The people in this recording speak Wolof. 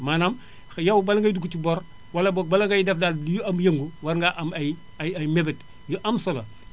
maanaam yow bala ngay dugg ci bor wala boog bala ngay def daal ab yëngu war ngaa am ay ay mbébéd yu am solo